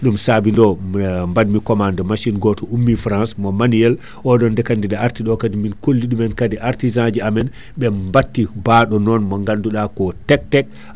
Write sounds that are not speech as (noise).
ɗum saabi ɗo (hesitation) badmi commande machine goto ummi France mo manuelle oɗon nde kaadi nde arti kaadi min kolli ɗumen kaadi artisan ji amen ɓe batti baaɗo non mo ganduɗa ko Tek Tek